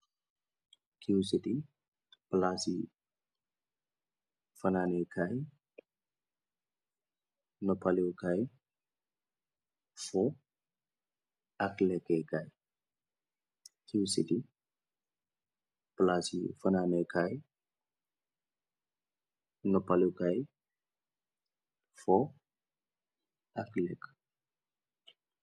Qcity, plassi cii fananeh kaii, nopalew kaii, foh ak legaye kaii, Qcity plassi fananeh kaii, nopaleh kaii, foh ak legaye.